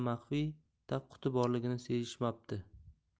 maxfiy tagquti borligini sezishmabdi